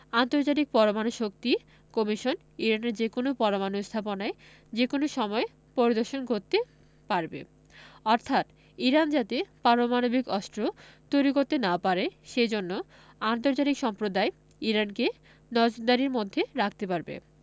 আন্তর্জাতিক পরমাণু শক্তি কমিশন ইরানের যেকোনো পরমাণু স্থাপনায় যেকোনো সময় পরিদর্শন করতে পারবে অর্থাৎ ইরান যাতে পারমাণবিক অস্ত্র তৈরি করতে না পারে সে জন্য আন্তর্জাতিক সম্প্রদায় ইরানকে নজরদারির মধ্যে রাখতে পারবে